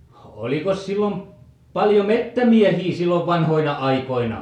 olikos silloin paljon metsämiehiä silloin vanhoina aikoina